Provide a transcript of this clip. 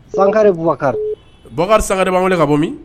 Sangare Boubacar Boubacar Sangare b'an wele ka bɔ min